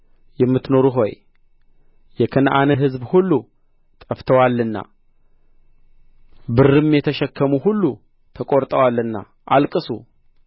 የምትኖሩ ሆይ የከነዓን ሕዝብ ሁሉ ጠፍተዋልና ብርም የተሸከሙ ሁሉ ተቈርጠዋልና አልቅሱ